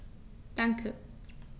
Danke.